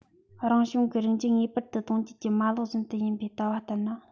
རང བྱུང གི རིགས འབྱེད ངེས པར དུ གདུང རྒྱུད ཀྱི མ ལག བཞིན དུ ཡིན པའི ལྟ བ ལྟར ན